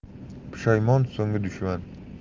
pushaymon so'nggi dushman